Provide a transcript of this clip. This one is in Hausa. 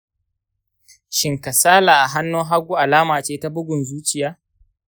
shin kasala a hannun hagu alama ce ta bugun zuciya?